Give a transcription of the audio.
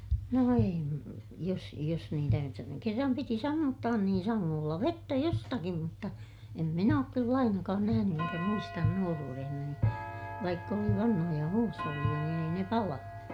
no - jos jos niitä jotta ne kerran piti sammuttaa niin sangoilla vettä jostakin mutta en minä ole kyllä ainakaan nähnyt enkä muista nuoruudessani vaikka oli vanhoja huusholleja niin ei ne palanut